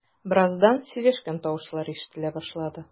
Бераздан сөйләшкән тавышлар ишетелә башлады.